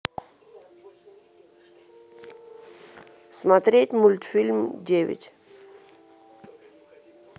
смотреть мультфильм девять